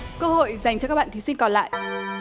cơ hội dành cho các bạn thí sinh còn lại